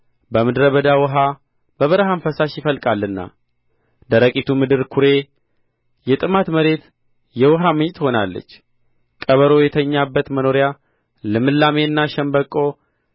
በምድረ በዳ ውኃ በበረሀም ፈሳሽ ይፈልቃልና ደረቂቱ ምድር ኵሬ የጥማት መሬት የውኃ ምንጭ ትሆናለች ቀበሮ የተኛበት መኖሪያ ልምላሜና ሸምበቆ